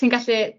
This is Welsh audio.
ti'n gallu